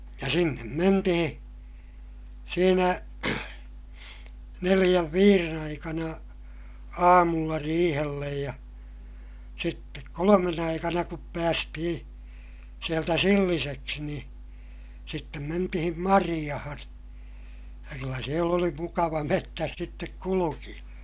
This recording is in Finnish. ja sinne mentiin siinä neljän viiden aikana aamulla riihelle ja sitten kolmen aikana kun päästiin sieltä silliseksi niin sitten mentiin marjaan ja kyllä siellä oli mukava metsässä sitten kulkea